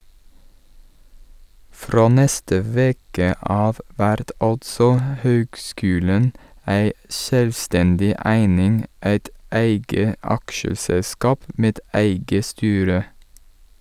Frå neste veke av vert altså høgskulen ei sjølvstendig eining, eit eige aksjeselskap med eige styre.